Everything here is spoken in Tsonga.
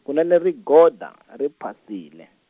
kunene rigoda, ri phasile.